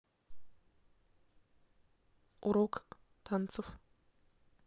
урок танцев